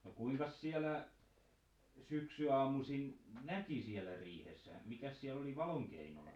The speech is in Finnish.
no kuinkas siellä syksyaamuisin näki siellä riihessä mikäs siellä oli valonkeinona